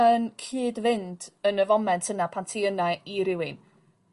yn cyd-fynd yn y foment yna pan ti yna i rywun